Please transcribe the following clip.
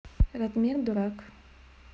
ратмир дурак